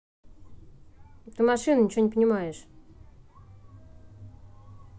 ты машина ничего не понимаешь